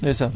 ndeysaan